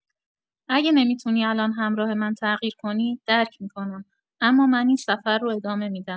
اگه نمی‌تونی الان همراه من تغییر کنی، درک می‌کنم، اما من این سفر رو ادامه می‌دم.